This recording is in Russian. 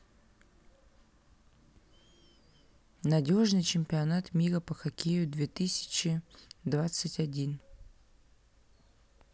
надежный чемпионат мира по хоккею две тысячи двадцать один